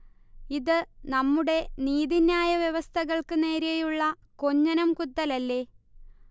ഇത് നമ്മുടെ നീതിന്യായ വ്യവസ്ഥകൾക്ക് നേരെയുള്ള കൊഞ്ഞനം കുത്തലല്ലേ